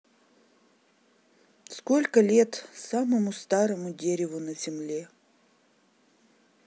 сколько лет самому старому дереву на земле